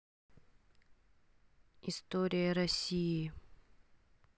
история россии